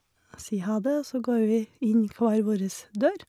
Og sier ha det, og så går vi inn hver vårres dør.